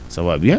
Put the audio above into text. ça va bien